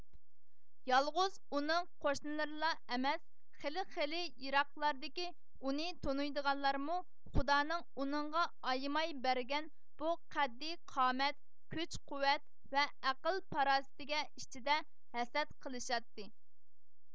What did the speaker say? يالغۇز ئۇنىڭ قوشنىلىرىلا ئەمەس خېلى خېلى يىراقلاردىكى ئۇنى تونۇيدىغانلارمۇ خۇدانىڭ ئۇنىڭغا ئايىماي بەرگەن بۇ قەددىي قامەت كۈچ قۇۋۋەت ۋە ئەقىل پاراسىتىگە ئىچىدە ھەسەت قىلىشاتتى